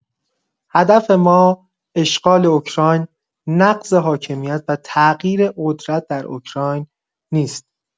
هدف ما اشغال اوکراین، نقض حاکمیت و تغییر قدرت در اوکراین نیست.